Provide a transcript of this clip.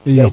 iyo